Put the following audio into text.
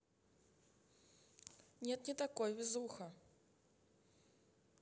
нет не такой везуха